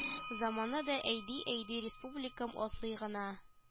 Заманны да әйди-әйди республикам атлый гына